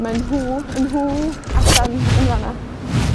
Ma' nhw, y nhw allan yn fan 'na,